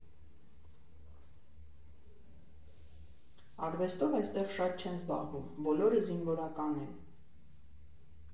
Արվեստով այստեղ շատ չեն զբաղվում, բոլորը զինվորական են։